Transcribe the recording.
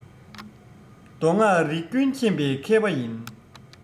མདོ སྔགས རིག ཀུན མཁྱེན པའི མཁས པ ཡིན